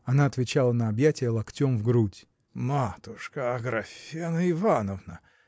Она отвечала на объятие локтем в грудь. – Матушка, Аграфена Ивановна!